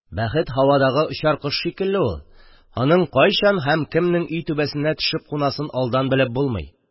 Бәхет – һавадагы очар кош шикелле ул, аның кайчан һәм кемнең өй түбәсенә төшеп кунасын алдан белеп булмый.